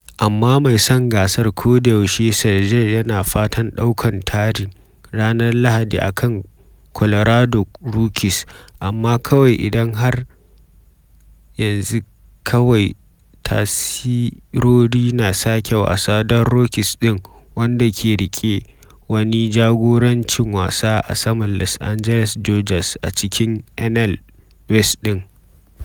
Amma mai son gasar kodayaushe Scherzer yana fatan ɗaukan tarin ranar Lahadi a kan Colorado Rockies, amma kawai idan har yanzi kawai tasirori na sake wasa don Rockies din, wadanda ke rike wani jagorancin wasa a saman Los Angeles Dodgers a cikin NL West ɗin.